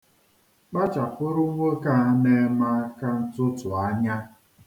Kpachapụrụ nwoke a na-eme akantụtụ anya.